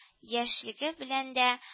Яшьлеге белән дә